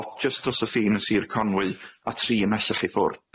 o jyst dros y ffin yn Sir Conwy a tri ym mellach i ffwrdd.